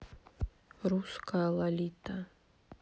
русская лолита